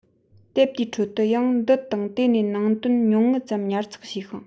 དེབ དེའི ཁྲོད དུ ཡང འདི དང དེ ནས ནང དོན ཉུང ངུ ཙམ ཉར ཚགས བྱས ཤིང